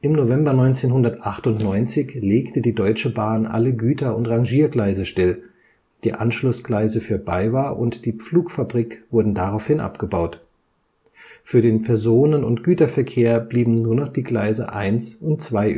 November 1998 legte die Deutsche Bahn alle Güter - und Rangiergleise still, die Anschlussgleise für Baywa und die Pflugfabrik wurden daraufhin abgebaut. Für den Personen - und Güterverkehr blieben nur noch die Gleise 1 und 2